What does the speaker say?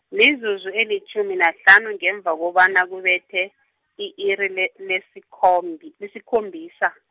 mizuzu elitjhumi nahlanu ngemva kobana kubethe, i-iri le- lesikhombi- lesikhombisa.